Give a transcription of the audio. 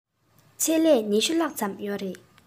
ཆེད ལས ༢༠ ལྷག ཙམ ཡོད རེད